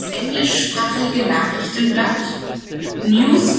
englischsprachige Nachrichtenblatt News from